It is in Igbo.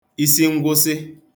isingwụsị